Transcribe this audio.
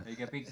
eikä pikeä